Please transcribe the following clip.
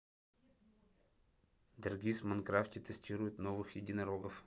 даргиз в майнкрафте тестирует новых единорогов